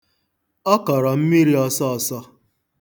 Ọ kọrọ mmiri ọsọ ọsọ.